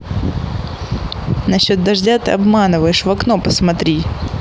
насчет дождя ты обманываешь в окно посмотри